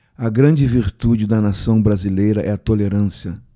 a grande virtude da nação brasileira é a tolerância